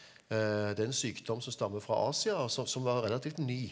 det er en sykdom som stammer fra Asia som som var relativt ny.